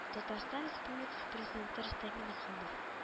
Татарстан Республикасы Президенты Рөстәм Минеханов